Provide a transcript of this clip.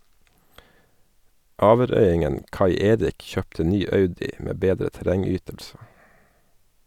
Averøyingen Kai Erik kjøpte ny Audi med bedre terrengytelse.